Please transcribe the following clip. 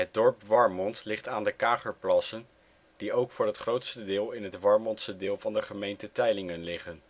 dorp Warmond ligt aan de Kagerplassen, die ook voor het grootste deel in het Warmondse deel van de gemeente Teylingen liggen